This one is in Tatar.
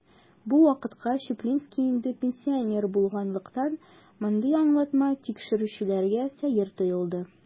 Бу вакытка Чуплинский инде пенсионер булганлыктан, мондый аңлатма тикшерүчеләргә сәер тоелды.